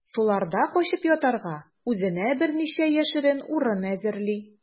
Шуларда качып ятарга үзенә берничә яшерен урын әзерли.